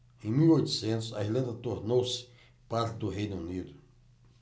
em mil e oitocentos a irlanda tornou-se parte do reino unido